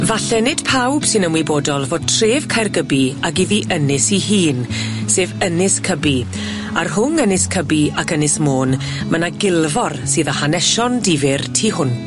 Falle nid pawb sy'n ymwybodol fod tref Caergybi ag iddi Ynys i hun, sef Ynys Cybi, a rhwng Ynys Cybi ac Ynys Môn, ma' 'na gilfor sydd â hanesion difyr tu hwnt.